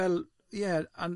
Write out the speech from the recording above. Fel, ie, on-.